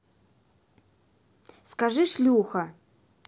скажи шлюха